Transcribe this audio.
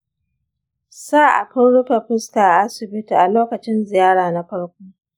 sa abin rufe fuska a asibiti a lokacin ziyara na farko.